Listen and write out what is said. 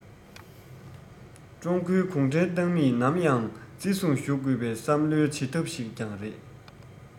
ཀྲུང གོའི གུང ཁྲན ཏང མིས ནམ ཡང བརྩི སྲུང ཞུ དགོས པའི བསམ བློའི བྱེད ཐབས ཤིག ཀྱང རེད